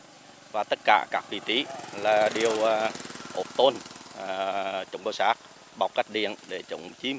và tất cả các vị trí là đều ốp tôn trống bò sát bọc cách điện để chống chim